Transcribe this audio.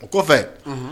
O kɔ fɛ